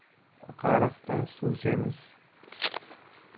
o'qariqda suv semiz